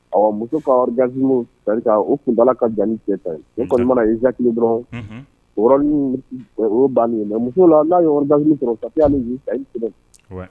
Ɔ muso ka orgasme o kuntaala ka jan ni cɛ ta ye, cɛ kɔni mana éjaculer dɔrɔn o y'a bannen ye mais muso la n'a ye orgasme sɔrɔ, ça peut aller jusqu'à une semaine, ouai